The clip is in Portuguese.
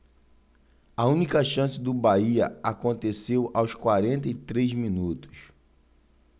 a única chance do bahia aconteceu aos quarenta e três minutos